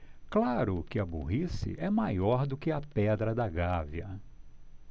claro que a burrice é maior do que a pedra da gávea